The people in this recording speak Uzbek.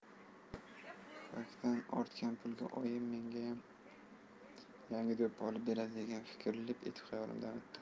pufaykadan ortgan pulga oyim mengayam yangi do'ppi oberadi degan fikr lip etib xayolimdan o'tdi